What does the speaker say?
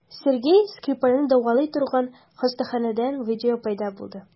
Сергей Скрипальне дәвалый торган хастаханәдән видео пәйда булды.